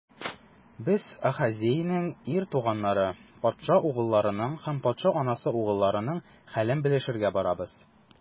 Без - Ахазеянең ир туганнары, патша угылларының һәм патша анасы угылларының хәлен белешергә барабыз.